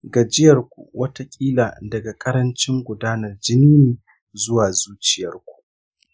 gajiyarku wataƙila daga ƙarancin gudanar jini ne zuwa zuciyarku